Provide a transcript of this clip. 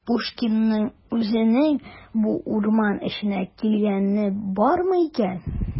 Пушкинның үзенең бу урман эченә килгәне бармы икән?